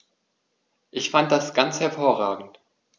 Ich fand das ganz hervorragend.